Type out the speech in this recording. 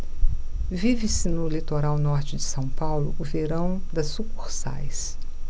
vive-se no litoral norte de são paulo o verão das sucursais